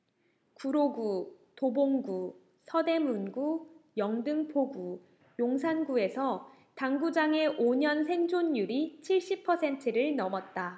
구로구 도봉구 서대문구 영등포구 용산구에서 당구장의 오 년 생존율이 칠십 퍼센트를 넘었다